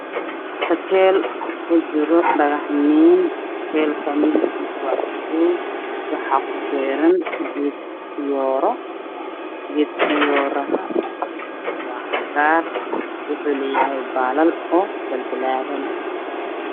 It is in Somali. Meeshan ha iga muuqdo geed ubax oo ku jira sakaal geedku wax uu yahay cagaar oo caleema dhaadheer leh darbiga wada cadaan